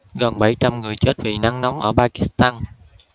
gần bảy trăm người chết vì nắng nóng ở pakistan